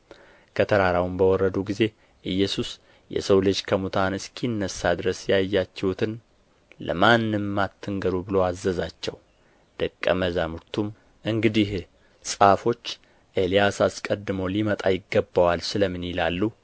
ከተራራውም በወረዱ ጊዜ ኢየሱስ የሰው ልጅ ከሙታን እስኪነሣ ድረስ ያያችሁትን ለማንም አትንገሩ ብሎ አዘዛቸው ደቀ መዛሙርቱም እንግዲህ ጻፎች ኤልያስ አስቀድሞ ሊመጣ ይገባዋል ስለ ምን ይላሉ